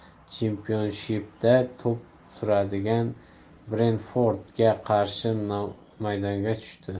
chempionshipda to'p suradigan brenford ga qarshi maydonga tushdi